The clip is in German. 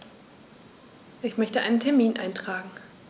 Ich möchte einen Termin eintragen.